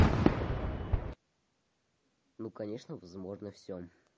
ну конечно возможно все